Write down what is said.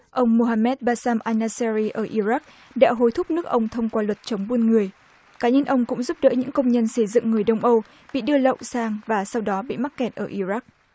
ông mô ha mét ba sang a na sa ri ở i rắc đã hối thúc nước ông thông qua luật chống buôn người cá nhân ông cũng giúp đỡ những công nhân xây dựng người đông âu bị đưa lậu sang và sau đó bị mắc kẹt ở i rắc